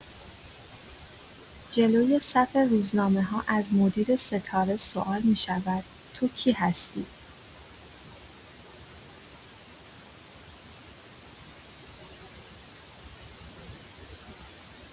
جلوی صف روزنامه‌ها از مدیر ستاره سوال می‌شود تو کی هستی؟